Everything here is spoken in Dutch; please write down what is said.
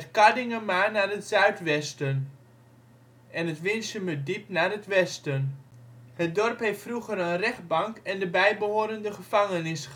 Kardingermaar naar het zuidwesten (Thesinge) en het Winsumerdiep naar het westen (Winsum, Leens, Ulrum). Het dorp heeft vroeger een rechtbank (kantongerecht) (en de bijbehorende gevangenis) gehad